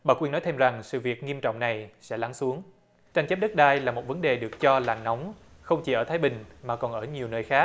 bà quyên nói thêm rằng sự việc nghiêm trọng này sẽ lắng xuống tranh chấp đất đai là một vấn đề được cho là nóng không chỉ ở thái bình mà còn ở nhiều nơi khác